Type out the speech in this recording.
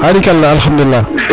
arikala alhamdulila,